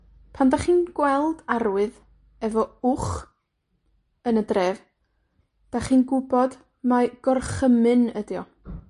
Pan 'dach chi'n gweld arwydd efo wch yn y dref 'dach chi'n gwbod mai gorchymyn ydi o.